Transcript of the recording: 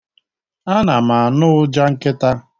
Ana m anụ ụja nkịta.